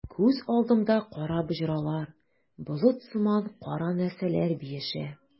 Күз алдымда кара боҗралар, болыт сыман кара нәрсәләр биешә.